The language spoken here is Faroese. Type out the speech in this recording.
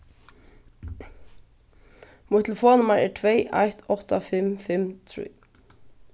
mítt telefonnummar er tvey eitt átta fimm fimm trý